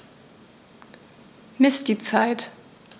Miss die Zeit.